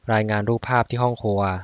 รายงานรูปภาพที่ห้องครัว